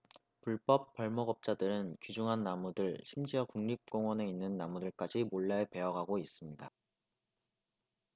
불법 벌목업자들은 귀중한 나무들 심지어 국립공원에 있는 나무들까지 몰래 베어 가고 있습니다